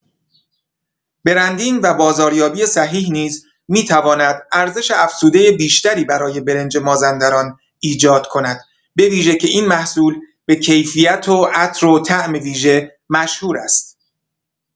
برندینگ و بازاریابی صحیح نیز می‌تواند ارزش‌افزوده بیشتری برای برنج مازندران ایجاد کند، به‌ویژه که این محصول به کیفیت و عطر و طعم ویژه مشهور است.